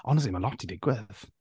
Honestly, mae lot 'di digwydd.